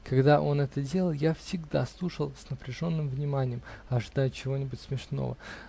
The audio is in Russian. (Когда он это делал, я всегда слушал с напряженным вниманием, ожидая чего-нибудь смешного.